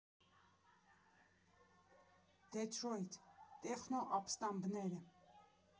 Դեթրոյթ Տեխնո ապստամբները։